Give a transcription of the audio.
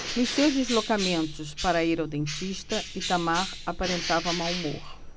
nos seus deslocamentos para ir ao dentista itamar aparentava mau humor